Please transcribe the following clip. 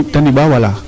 te neɓaa wala